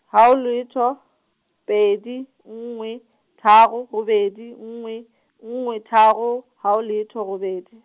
ha o letho, pedi nngwe, tharo robedi nngwe, nngwe tharo ha o letho robedi.